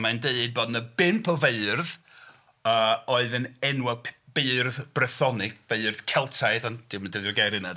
Mae'n deud bod 'na 5 o feirdd yy oedd yn enwog, b- beirdd Brythoneg, Beirdd Celtaidd, ond dio'm yn defnyddio'r gair yna de.